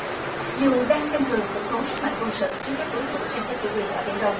dù đang tăng cường củng cố sức mạnh quân sự trước các đối thủ tranh chấp chủ quyền ở biển đông